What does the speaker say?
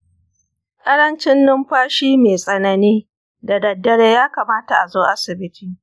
ƙarancin numfashi mai tsanani da daddare ya kamata a zo asibiti.